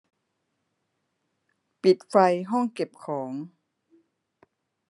ปิดไฟห้องเก็บของ